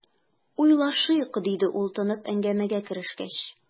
"уйлашыйк", - диде ул, тынып, әңгәмәгә керешкәч.